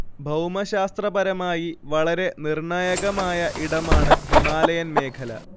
ഭൗമശാസ്ത്രപരമായി വളരെ നിർണായകമായ ഇടമാണ് ഹിമാലയൻ മേഖല